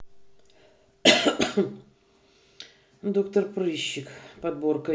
доктор прыщик подборка ютуб